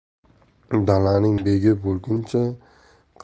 dalaning begi bo'lguncha